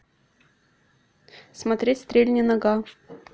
смотреть стрельни нога